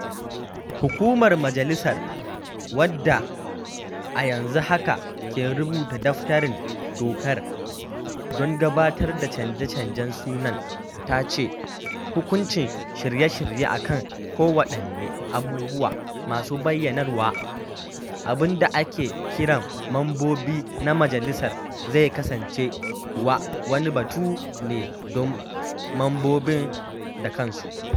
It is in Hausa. Hukumar Majalisar, wanda a yanzu haka ke rubuta daftarin dokar don gabatar da canje-canjen sunan, ta ce: “Hukuncin ƙarshe a kan kowaɗanne abubuwa masu bayyanarwa abin da ake kiran mambobi na Majalisar zai kasance kuwa wani batu ne don mambobin da kansu.”